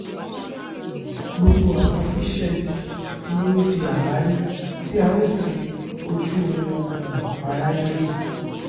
Gbogbo àwọn oníṣẹ́-ibi ni ó di àwárí tí a ó fi ojúu wọn hàn f'áráyé rí.